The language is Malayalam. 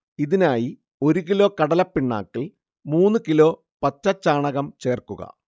ഇതിനായി ഒരു കിലോ കടലപ്പിണ്ണാക്കിൽ മൂന്ന് കിലോ പച്ചച്ചാണകം ചേർക്കുക